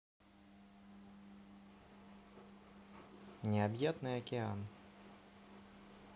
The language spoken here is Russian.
необъятный океан